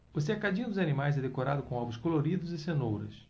o cercadinho dos animais é decorado com ovos coloridos e cenouras